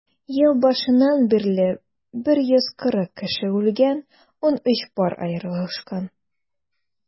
Ел башыннан бирле 140 кеше үлгән, 13 пар аерылышкан.